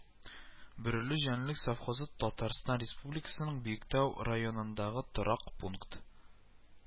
Бөреле җәнлек совхозы Татарстан Республикасының Биектау районындагы торак пункт